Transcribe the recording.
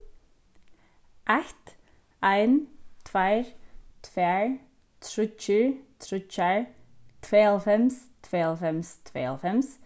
eitt ein tveir tvær tríggir tríggjar tveyoghálvfems tveyoghálvfems tveyoghálvfems